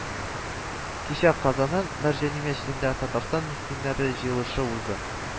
Кичә Казанның Мәрҗани мәчетендә Татарстан мөслимәләре җыелышы узды